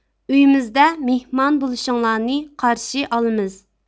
ئۆيىمىزدە مېھمان بولۇشۇڭلارنى قارشى ئالىمىز